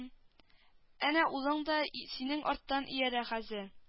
М әнә улың да синең арттан иярә хәзер